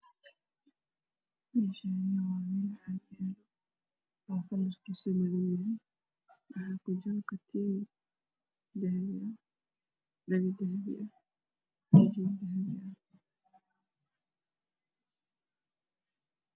Meshan caag madow ah ayayalo waxa kujiro katiin dahbi ah io dhego dahbi ah sacad dahbi ah